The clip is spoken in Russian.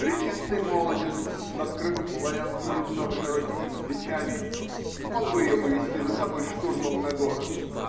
Речистый молодец, с открытым славянским лицом и широкими плечами, мог бы ее повести за собой штурмом на город.